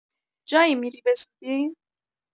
جایی می‌ری به‌زودی؟